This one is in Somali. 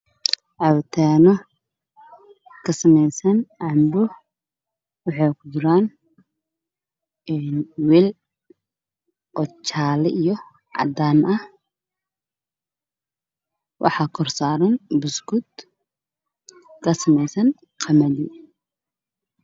Cabitaano kasameysan canbo